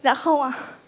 dạ không ạ